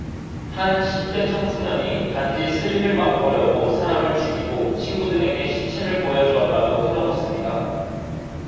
한 십 대 청소년이 단지 스릴을 맛보려고 사람을 죽이고 친구들에게 시체를 보여 주었다고 털어놓습니다